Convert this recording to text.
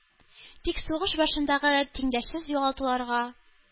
Тик сугыш башындагы тиңдәшсез югалтуларга,